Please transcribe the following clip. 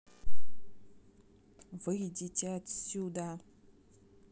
выйдите отсюда